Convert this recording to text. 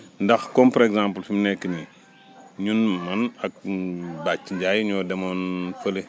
ndax comme par exemple fi mu nekk nii ñun man ak Bathie Ndaiye ñoo demoon fële